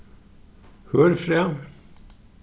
hørfræ